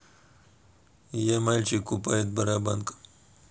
я мальчик купает барабанка